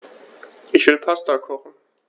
Ich will Pasta kochen.